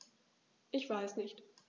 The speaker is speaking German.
Ich weiß nicht.